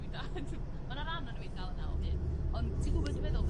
dwi dal yn ma' 'na ran ono fi dal yna o hyd. Ond t'i'n gwybo dwi feddwl?